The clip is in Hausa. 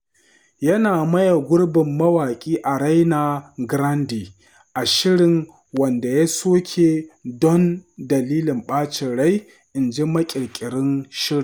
Yana maye gurbin mawaƙi Ariana Grande a shirin wanda ya soke don “dalilin ɓacin rai,” inji maƙirƙirin shirin.